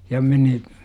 ja meni